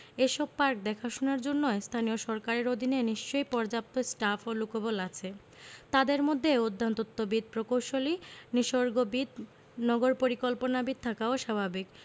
এসব পার্ক দেখাশোনার জন্য স্থানীয় সরকারের অধীনে নিশ্চয়ই পর্যাপ্ত স্টাফ ও লোকবল আছে তাদের মধ্যে উদ্যানতত্ত্ববিদ প্রকৌশলী নিসর্গবিদ নগর পরিকল্পনাবিদ থাকাও স্বাভাবিক